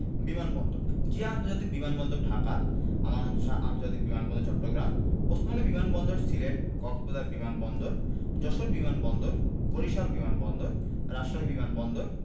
বিমান বন্দরঃ জিয়া আন্তর্জাতিক বিমান বন্দর ঢাকা আমানত শাহ্ আন্তর্জাতিক বিমান বন্দর চট্টগ্রাম ওসমানী বিমান বন্দর সিলেট কক্সবাজার বিমান বন্দর যশোর বিমান বন্দর বরিশাল বিমান বন্দর রাজশাহী বিমান বন্দর